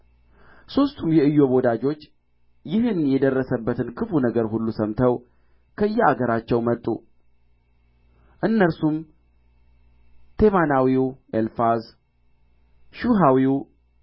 ሦስቱም የኢዮብ ወዳጆች ይህን የደረሰበትን ክፉ ነገር ሁሉ ሰምተው ከየአገራቸው መጡ እነርሱም ቴማናዊው ኤልፋዝ ሹሐዊው